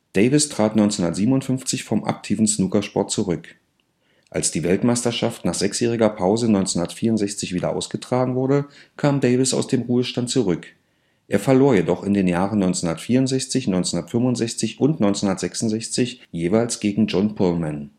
Davis trat 1957 vom aktiven Snookersport zurück. Als die Weltmeisterschaft nach sechsjähriger Pause 1964 wieder ausgetragen wurde, kam Davis aus dem Ruhestand zurück. Er verlor jedoch in den Jahren 1964, 1965 und 1966 jeweils gegen John Pulman